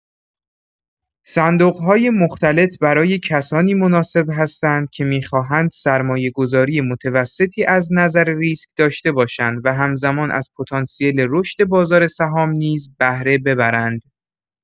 صندوق‌های مختلط برای کسانی مناسب هستند که می‌خواهند سرمایه‌گذاری متوسطی از نظر ریسک داشته باشند و همزمان از پتانسیل رشد بازار سهام نیز بهره ببرند.